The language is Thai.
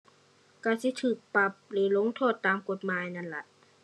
ก็สิก็ปรับหรือลงโทษตามกฎหมายนั่นล่ะ